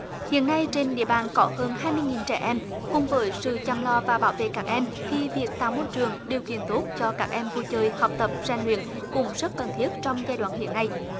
hiện nay trên địa bàn có hơn hai mươi nghìn trẻ em cùng với sự chăm lo và bảo vệ các em thì việc tạo môi trường điều kiện tốt cho các em vui chơi học tập rèn luyện cũng rất cần thiết trong giai đoạn hiện nay